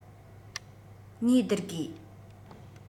ངེས སྡུར དགོས